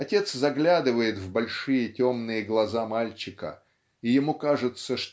Отец заглядывает в большие темные глаза мальчика и ему кажется